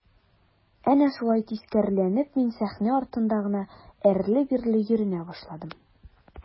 Әнә шулай тискәреләнеп мин сәхнә артында гына әрле-бирле йөренә башладым.